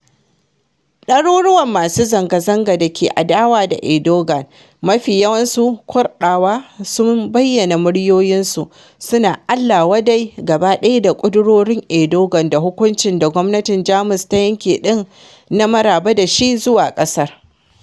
Ɗaruruwan masu zanga-zanga da ke adawa da Erdogan - mafi yawansu Kurɗawa - sun bayyana muryoyinsu, suna Allah-wa-dai gaba ɗaya da ƙudurorin Erdogan da hukuncin da gwamnatin Jamus ta yanke ɗin na maraba da shi zuwa ƙasar.